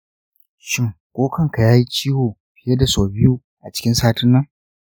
shin ko kanka yayi ciwo fiye da sau biyu a cikin satinnan?